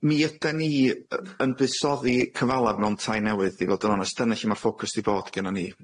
Mi yden ni yy yn buddsoddi cyfalaf mewn tai newydd i fod yn onest. Dyna lle ma'r ffocws 'di bod gennon ni.